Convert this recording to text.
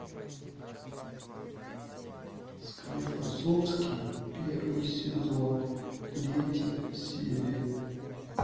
склифосовский первый сезон третья серия